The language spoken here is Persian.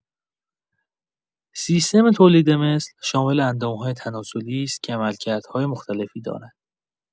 سیستم تولید مثل شامل اندام‌های تناسلی است که عملکردهای مختلفی دارند.